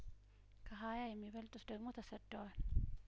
ከሀያ የሚበልጡት ደግሞ ተሰደዋል